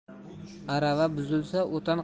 arava buzilsa o'tin